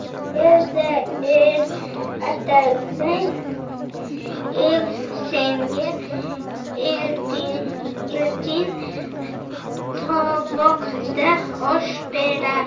elda er atansang el senga oltin tovoqda osh berar